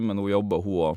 Men hun jobber hun óg.